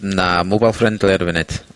Na, mobile friendly ar y funud...